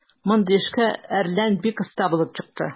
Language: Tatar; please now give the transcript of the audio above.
Мондый эшкә "Әрлән" бик оста булып чыкты.